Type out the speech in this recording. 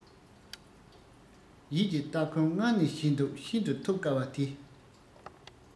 ཡིད ཀྱི སྟ གོན སྔར ནས བྱས འདུག ཤིན ཏུ ཐོབ དཀའ བ དེ